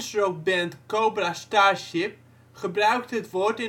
Rock band Cobra Starship gebruikte het woord